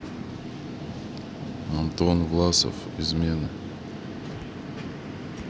ютуб антон власов измены